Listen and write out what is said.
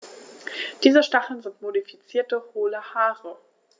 Diese Stacheln sind modifizierte, hohle Haare.